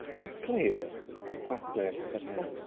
Exactly. Exactly. But yes.